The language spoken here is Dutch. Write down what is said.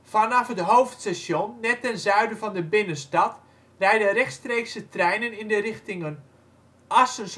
Vanaf het hoofdstation, net ten zuiden van de binnenstad, rijden rechtstreekse treinen in de richtingen: Assen